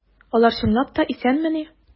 Алар чынлап та исәнмени?